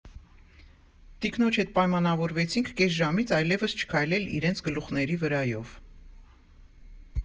Տիկնոջ հետ պայմանավորվեցինք կես ժամից այլևս չքայլել իրենց գլուխների վրայով։